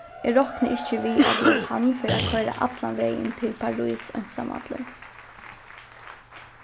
eg rokni ikki við at jóhann fer at koyra allan vegin til parís einsamallur